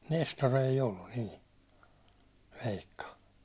Nestori ei ollut niin veikka